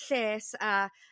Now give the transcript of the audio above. lles a